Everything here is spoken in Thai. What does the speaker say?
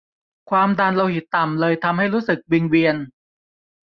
ความดันโลหิตต่ำเลยทำให้รู้สึกวิงเวียน